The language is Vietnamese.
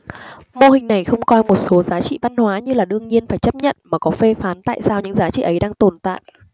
mô hình này không coi một số giá trị văn hóa như là đương nhiên phải chấp nhận mà có phê phán tại sao những giá trị ấy đang tồn tại